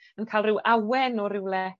yn ca'l ryw awen o rywle